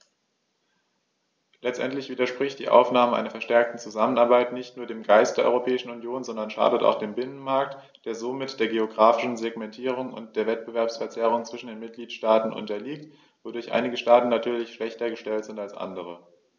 Letztendlich widerspricht die Aufnahme einer verstärkten Zusammenarbeit nicht nur dem Geist der Europäischen Union, sondern schadet auch dem Binnenmarkt, der somit der geographischen Segmentierung und der Wettbewerbsverzerrung zwischen den Mitgliedstaaten unterliegt, wodurch einige Staaten natürlich schlechter gestellt sind als andere.